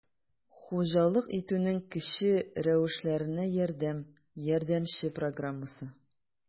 «хуҗалык итүнең кече рәвешләренә ярдәм» ярдәмче программасы